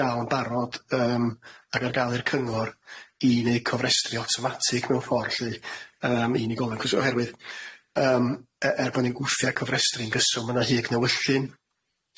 ga'l yn barod yym, ag ar ga'l i'r cyngor i neu' cofrestri awtomatig mewn ffor' lly yym i unigolyn c'os oherwydd yym e- er bo' ni'n gwthio cofrestru'n gyswng ma' na hyd newyllyn,